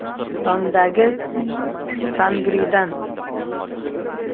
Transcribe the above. tongdagi tangridan